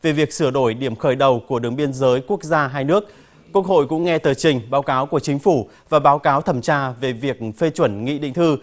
về việc sửa đổi điểm khởi đầu của đường biên giới quốc gia hai nước quốc hội cũng nghe tờ trình báo cáo của chính phủ và báo cáo thẩm tra về việc phê chuẩn nghị định thư